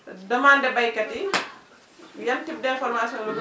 demander béykat yi yan types d' information la gën